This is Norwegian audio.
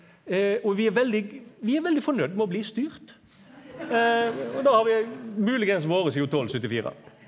og vi er veldig vi er veldig fornøgd med å bli styrt og det har vi moglegvis vore sidan tolvsyttifire.